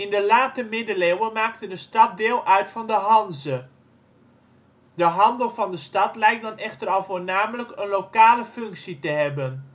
de late middeleeuwen maakte de stad deel uit van de Hanze. De handel van de stad lijkt dan echter al voornamelijk een lokale functie te hebben